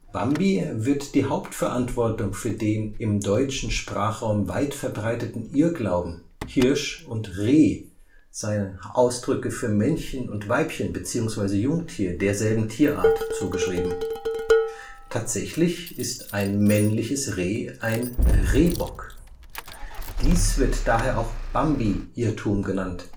Bambi wird die Hauptverantwortung für den im deutschen Sprachraum weit verbreiteten Irrglauben, „ Hirsch “und „ Reh “seien Ausdrücke für Männchen und Weibchen (beziehungsweise Jungtier) derselben Tierart, zugeschrieben – tatsächlich ist ein männliches Reh ein Rehbock. Dies wird daher auch Bambi-Irrtum genannt